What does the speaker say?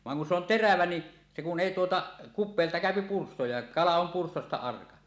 vaan kun se on terävä niin se kun ei tuota kupeelta käy pyrstö ja kala on pyrstöstä arka